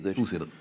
to sider.